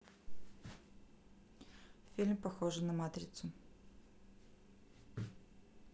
фильм похожий на матрицу